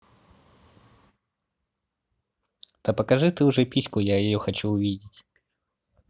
да покажи ты уже письку я хочу ее увидеть